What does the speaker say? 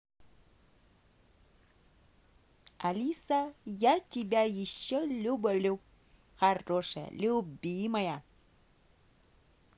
алиса я тебя еще люблю хорошая любимая